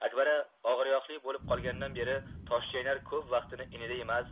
akbara og'iroyoqli bo'lib qolgandan beri toshchaynar ko'p vaqtini inida emas